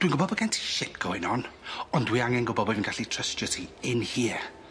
Dwi'n gwbod bo' gen ti shit going on ond dwi angen gwbo bo' fi'n gallu trystio ti in here.